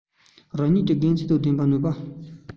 རང ཉིད ཀྱི དགེ མཚན ལྡན པའི ནུས པ